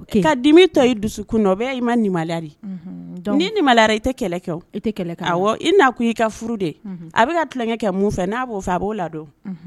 Ka dimi tɔ i dusu kun na, o bɛ ye i ma limaniya. N'i limaniyara i tɛ kɛlɛ kɛ o. I tɛ kɛlɛ kɛ. _Awɔ ,i na kun ye i ka furu ye.A bɛ ka tulonkɛ kɛ mun fɛ .N'a b'o fɛ a b'o ladon.